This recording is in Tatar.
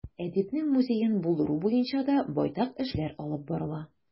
Әдипнең музеен булдыру буенча да байтак эшләр алып барыла.